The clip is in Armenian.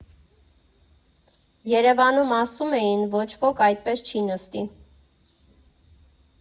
Երևանում, ասում էին, ոչ ոք այդպես չի նստի»։